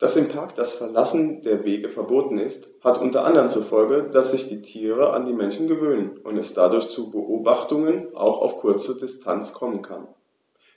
Dass im Park das Verlassen der Wege verboten ist, hat unter anderem zur Folge, dass sich die Tiere an die Menschen gewöhnen und es dadurch zu Beobachtungen auch auf kurze Distanz kommen kann.